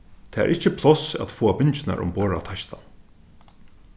tað er ikki pláss at fáa bingjurnar umborð á teistan